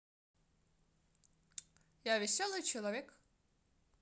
я веселый человек